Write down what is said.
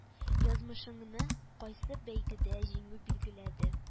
Язмышыңны кайсы бәйгедә җиңү билгеләде